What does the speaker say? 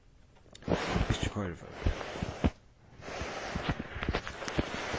hann er ikki koyriførur